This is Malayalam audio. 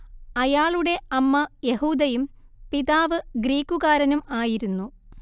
അയാളുടെ അമ്മ യഹൂദയും പിതാവ് ഗ്രീക്കുകാരനും ആയിരുന്നു